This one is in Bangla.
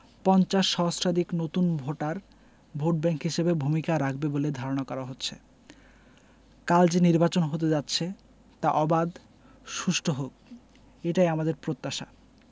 ৫০ সহস্রাধিক নতুন ভোটার ভোটব্যাংক হিসেবে ভূমিকা রাখবে বলে ধারণা করা হচ্ছে কাল যে নির্বাচন হতে যাচ্ছে তা অবাধ সুষ্ঠু হোক এটাই আমাদের প্রত্যাশা